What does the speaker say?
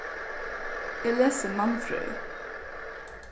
eg lesi mannfrøði